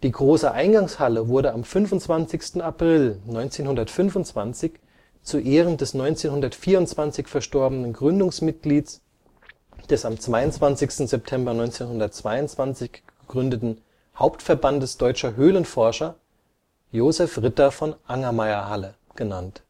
große Eingangshalle wurde am 25. April 1925 zu Ehren des 1924 verstorbenen Gründungsmitglieds des am 22. September 1922 gegründeten Hauptverbandes Deutscher Höhlenförscher, Joseph-Ritter-von-Angermayer-Halle genannt